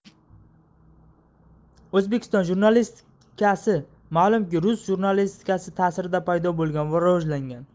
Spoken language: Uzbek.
o'zbekiston jurnalistikasi ma'lumki rus jurnalistikasi ta'sirida paydo bo'lgan va rivojlangan